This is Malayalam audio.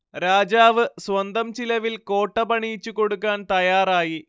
രാജാവ് സ്വന്തം ചിലവിൽ കോട്ട പണിയിച്ച് കൊടുക്കാൻ തയ്യാറായി